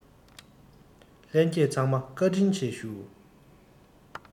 ལྷན རྒྱས ཚང མ བཀའ དྲིན ཆེ ཞུ